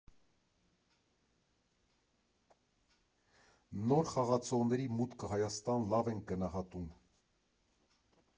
Նոր խաղացողների մուտքը Հայաստան լավ ենք գնահատում։